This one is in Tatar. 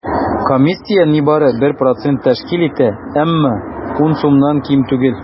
Комиссия нибары 1 процент тәшкил итә, әмма 10 сумнан ким түгел.